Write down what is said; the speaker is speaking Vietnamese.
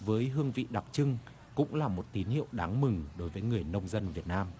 với hương vị đặc trưng cũng là một tín hiệu đáng mừng đối với người nông dân việt nam